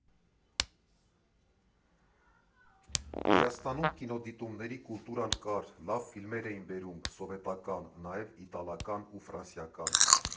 Հայաստանում կինոդիտումների կուլտուրան կար, լավ ֆիլմեր էին բերում՝ սովետական, նաև իտալական ու ֆրանսիական։